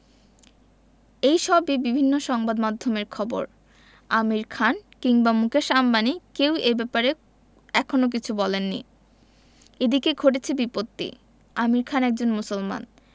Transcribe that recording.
এই সবই বিভিন্ন সংবাদমাধ্যমের খবর আমির খান কিংবা মুকেশ আম্বানি কেউই এ ব্যাপারে এখনো কিছু বলেননি এদিকে ঘটেছে বিপত্তি আমির খান একজন মুসলমান